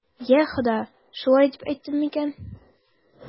Йа Хода, шулай дип әйттем микән?